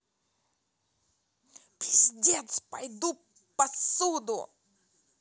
пиздец пойду посуду